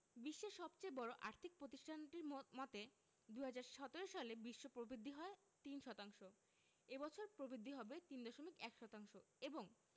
বিশ্বের সবচেয়ে বড় আর্থিক প্রতিষ্ঠানটির ম মতে ২০১৭ সালে বিশ্ব প্রবৃদ্ধি হয় ৩.০ শতাংশ এ বছর প্রবৃদ্ধি হবে ৩.১ শতাংশ এবং